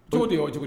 Cogo di wa cogo di?